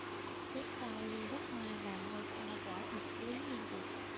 xếp sau lưu đức hoa là ngôi sao võ thuật lý liên kiệt